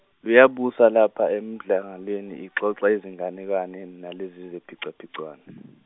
liyabusa lapha emadlangaleni lixoxa izinganekwane nalezi ziphicaphicwano.